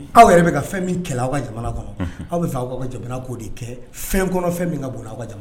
Aw yɛrɛ bɛ ka fɛn min kɛlɛ aw ka jamana kɔnɔ aw bɛ fɛ aw ka jamana koo de kɛ fɛn kɔnɔ fɛn min ka bolo aw ka jamana